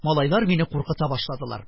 Малайлар мине куркыта башладылар: